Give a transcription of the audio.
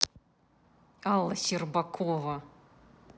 алла щербакова